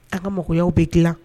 An ka mɔgɔyaw bɛ dilan